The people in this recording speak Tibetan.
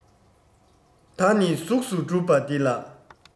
ད ནི གཟུགས སུ གྲུབ པ འདི ལགས